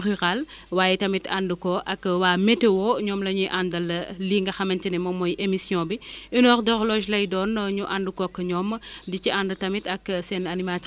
dañuy faral di def li ñuy wax le bilan hydrique bilan hydrique boo ko déggee dafa mel ni ni ma ko mën a waxee daal moom mooy gàncax gu nekk da ngay xam ne gàncax gi lii moom moo taxaw nii